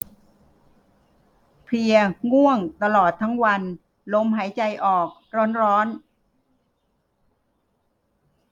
เพลียง่วงตลอดทั้งวันลมหายใจออกร้อนร้อน